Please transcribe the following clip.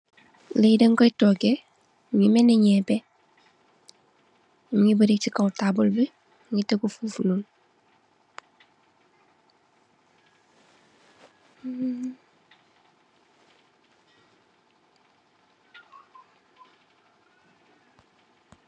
Lee dankoye tooge muge melne nyebeh muge bary se kaw taabul be muge tegeh fofunun.